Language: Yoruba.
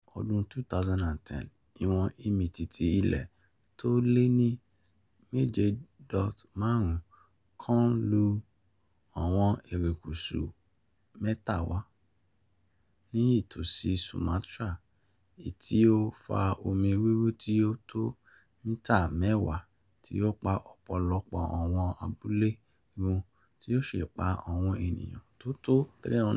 Ọdún 2010: Ìwọ̀n ìmìtìtì ilẹ̀ tó lé ní 7.5 kan kọlu àwọn erékùsú Mentawai, ní ìtòsí Sumatra, tí ó fa omi rúrú tí ó tó mítà 10 tí ò pa ọ̀pọ̀lọpọ̀ àwọn abúlé run ti ó sì pa àwọn ènìyàn tó tó 300.